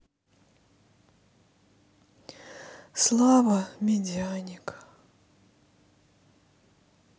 слава медяник